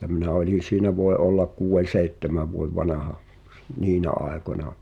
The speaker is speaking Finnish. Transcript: että minä olin siinä voi olla kuuden seitsemän vuoden vanha niinä aikoina